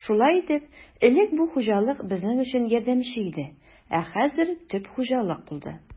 Шулай итеп, элек бу хуҗалык безнең өчен ярдәмче иде, ә хәзер төп хуҗалык булды.